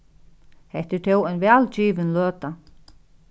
hetta er tó ein væl givin løta